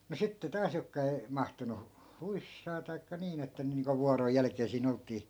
mutta sitten taas jotka ei mahtunut huissaan tai niin että ne niin kuin vuoron jälkeen siinä oltiin